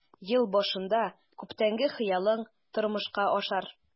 Ел башында күптәнге хыялың тормышка ашар.